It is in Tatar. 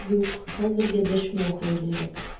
Юк, хәзергә дәшмәү хәерлерәк!